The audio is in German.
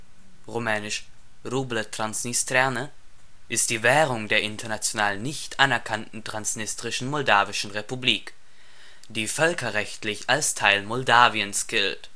rumänisch rublă transnistreană) ist die Währung der international nicht anerkannten Transnistrischen Moldawischen Republik, die völkerrechtlich als Teil Moldawiens gilt